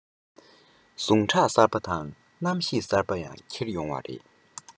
ཟུངས ཁྲག གསར པ དང རྣམ ཤེས གསར པ ཡང ཁྱེར ཡོང བ རེད